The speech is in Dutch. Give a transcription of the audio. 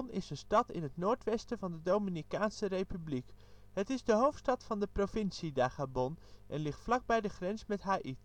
is een stad in het noordwesten van de Dominicaanse Republiek. Het is de hoofdstad van de provincie Dajabón en ligt vlakbij de grens met Haïti